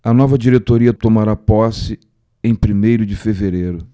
a nova diretoria tomará posse em primeiro de fevereiro